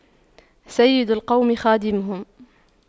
سيد القوم خادمهم